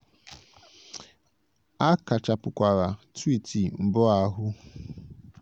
Ọ kachapụkwara twiiti mbụ ahụ.